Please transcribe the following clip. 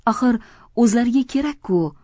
axir o'zlariga kerak ku